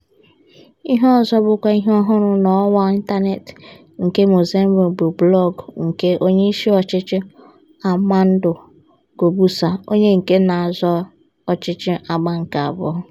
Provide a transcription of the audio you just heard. Ihe ọzọ bụkwa ihe ọhụrụ n'ọwa ịntaneetị nke Mozambique bụ blọọgụ nke Onyeisi Ọchịchị Armando Guebuza, onye nke na-azọ ọchịchị agba nke abụọ.